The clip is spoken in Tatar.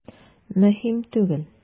Мөһим түгел.